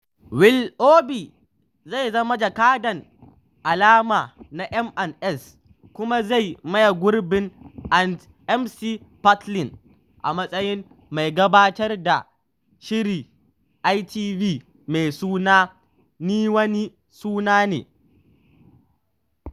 Willoughby zai zama jakadan alama na M&S kuma zai maye gurbin Ant McPartlin a matsayin mai gabatar da shirin ITV me suna Ni Wani Sananne Ne.